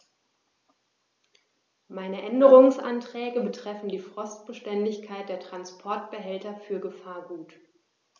Meine Änderungsanträge betreffen die Frostbeständigkeit der Transportbehälter für Gefahrgut.